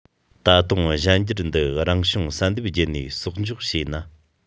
ད དུང གཞན འགྱུར འདི རང བྱུང བསལ འདེམས བརྒྱུད ནས གསོག འཇོག བྱས ན